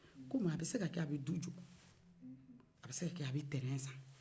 kɔmi a bɛ se ka kɛ a bɛ du jɔ a bɛ se ka kɛ a bɛ tɛrɛn san